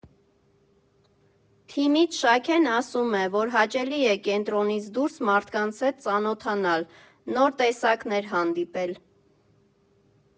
Թիմից Շաքեն ասում է, որ հաճելի է կենտրոնից դուրս մարդկանց հետ ծանոթանալ, նոր տեսակներ հանդիպել.